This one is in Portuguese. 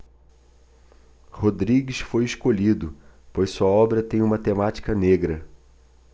rodrigues foi escolhido pois sua obra tem uma temática negra